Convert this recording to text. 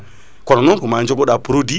kono non ko ma jogoɗa produit